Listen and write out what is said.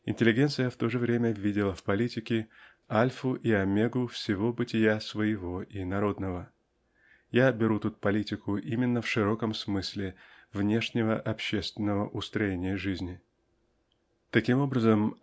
-- интеллигенция в то же время видела в политике альфу и омегу всего бытия своего и народного (я беру тут политику именно в широком смысле внешнего общественного устроения жизни). Таким образом